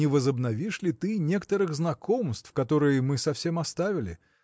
не возобновишь ли ты некоторых знакомств которые мы совсем оставили?